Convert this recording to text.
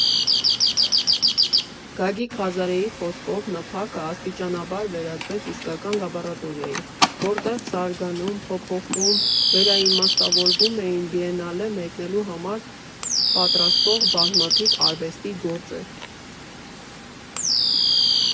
Գագիկ Ղազարեի խոսքով, ՆՓԱԿ֊ը աստիճանաբար վերածվեց իսկական «լաբորատորիայի», որտեղ զարգանում, փոփոխվում, վերաիմաստավորվում էին Բիենալե մեկնելու համար պատրաստվող բազմաթիվ արվեստի գործեր։